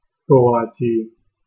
โกวาจี